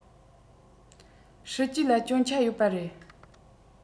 སྲིད ཇུས ལ སྐྱོན ཆ ཡོད པ རེད